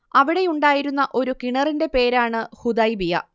അവിടെയുണ്ടായിരുന്ന ഒരു കിണറിന്റെ പേരാണ് ഹുദൈബിയ